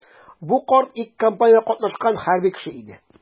Бу карт ике кампаниядә катнашкан хәрби кеше иде.